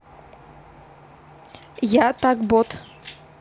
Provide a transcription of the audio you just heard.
я так бот